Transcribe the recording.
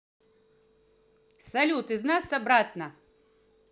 салют из нас обратно